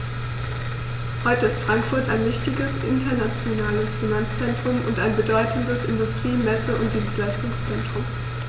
Heute ist Frankfurt ein wichtiges, internationales Finanzzentrum und ein bedeutendes Industrie-, Messe- und Dienstleistungszentrum.